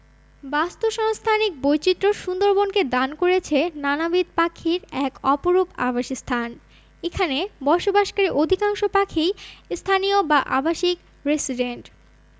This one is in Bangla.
বাস্তুসংস্থানিক বৈচিত্র্য সুন্দরবনকে দান করেছে নানাবিধ পাখির এক অপরূপ আবাসস্থান এখানে বসবাসকারী অধিকাংশ পাখিই স্থানীয় বা আবাসিক রেসিডেন্ট